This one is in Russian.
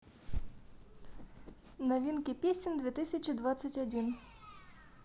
новинки песен две тысячи двадцать один